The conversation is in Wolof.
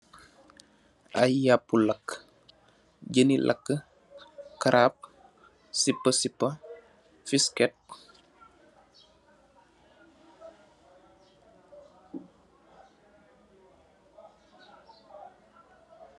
Ay yaapu lakk, jàn I lakk, karaap, sipa sipa, fisket